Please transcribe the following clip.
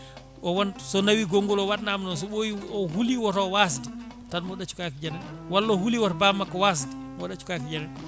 o wonta so naawi gongol o waɗanama noon so ɓooyi o huuli oto wasde tan mo ɗaccu kaake jananɗe walla o huuli oto bammakko wasde ma o ɗaccu kaake jananɗe